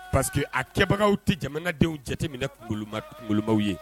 Pa que akɛbagaw tɛ jamanadenw jate minɛkolobaw ye